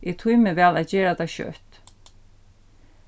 eg tími væl at gera tað skjótt